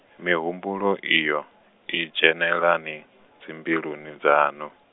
mihumbulo iyo, i dzhenelani, dzimbiluni dzaṋu?